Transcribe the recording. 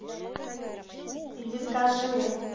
иди скажи